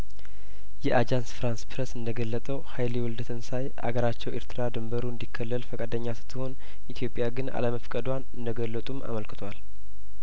የአጃንስ ፍራንስ ፕረስ እንደገለጠው ሀይሌ ወልደተንሳይ አገራቸው ኤርትራ ድንበሩ እንዲከለል ፈቃደኛ ስትሆን ኢትዮጵያ ግን አለመፍቀዷን እንደገለጡም አመልክቷል